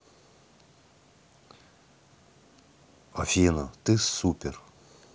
афина ты супер